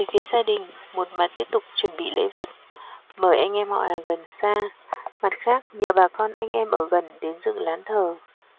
phía gia đình một mặt tiếp tục chuẩn bị lễ vật mời anh em họ hàng gần xa mặt khác nhờ bà con anh em ở gần đến dựng lán thờ